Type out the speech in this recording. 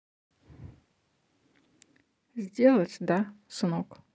сделать да сынок